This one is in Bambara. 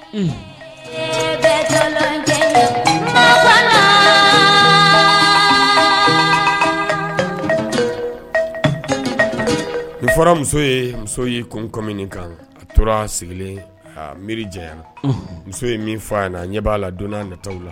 N fɔra muso ye muso y kun kɔ min kan a tora sigilen miiri jan muso ye min fɔ a na ɲɛ b'a la donna nataw la